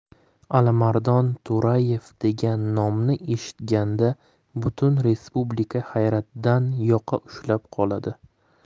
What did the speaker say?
alimardon to'rayev degan nomni eshitganida butun respublika hayratdan yoqa ushlab qoladi